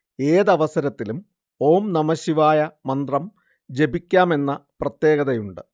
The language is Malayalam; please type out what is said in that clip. ഏതവസരത്തിലും ഓം നമഃശിവായ മന്ത്രം ജപിക്കാമെന്ന പ്രത്യേകതയുണ്ട്